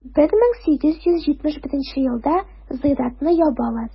1871 елда зыяратны ябалар.